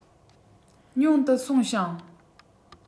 ཉུང དུ སོང ཞིང